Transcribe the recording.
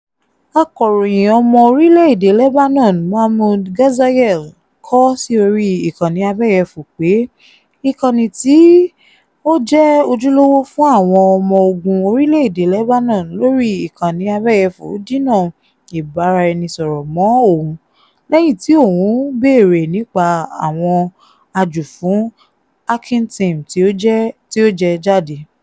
Akọ̀ròyìn ọmọ orílẹ̀ èdè Lebanon Mahmoud Ghazayel kọọ́ sí orí ìkànnì abẹ́yẹfò pé ìkànnì tí ó jẹ́ ojúlówó fún Àwọn Ọmọ Ogun orílè-èdè Lebanon lórí ìkànnì abẹ́yẹfò dínà ìbáraẹnisọ̀rọ̀ mọ́ òun lẹ́yìn tí òun bèèrè nípa àwọn àjúfù Hacking Team tí ó jẹ jáde.